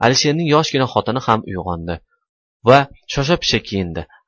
alisherning yoshgina xotini ham uyg'ondi va shosha pisha kiyindi